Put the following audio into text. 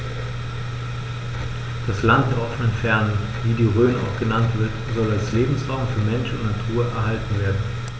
Das „Land der offenen Fernen“, wie die Rhön auch genannt wird, soll als Lebensraum für Mensch und Natur erhalten werden.